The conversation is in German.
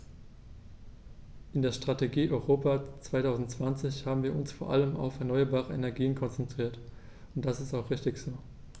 In der Strategie Europa 2020 haben wir uns vor allem auf erneuerbare Energien konzentriert, und das ist auch richtig so.